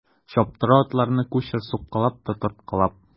Чаптыра атларны кучер суккалап та тарткалап.